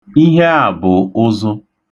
Ihe a bụ ụzụ.